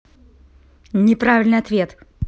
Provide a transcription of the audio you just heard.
неправильный ответ